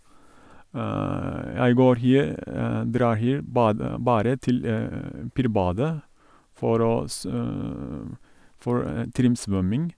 Jeg går her drar her bad bare til Pirbadet for å s for trimsvømming.